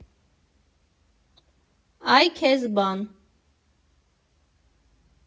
Ա՜յ քեզ բան։